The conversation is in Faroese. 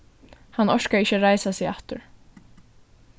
hann orkaði ikki at reisa seg aftur